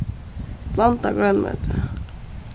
blandað grønmeti